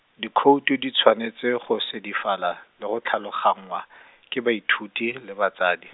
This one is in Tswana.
dikhoutu di tshwanetse go sedifala, le go tlhaloganngwa, ke baithuti le batsadi.